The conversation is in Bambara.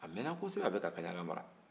a mɛnna kosɛbɛ a bɛka kaɲaga mara